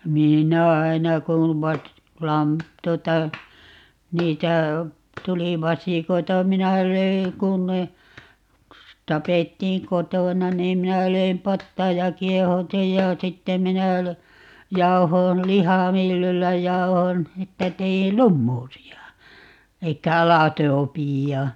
minä aina kun -- tuota niitä tuli vasikoita minä löin kun ne tapettiin kotona niin minä löin pataan ja kiehautin ja sitten minä - jauhoin lihamyllyllä jauhoin että tein lumuusia eli aladobia